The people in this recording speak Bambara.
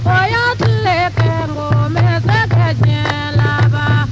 a y'a tile kɛ nk'o mɛ se ka diɲɛ laban